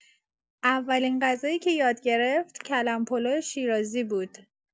اولین غذایی که یاد گرفت، کلم‌پلو شیرازی بود.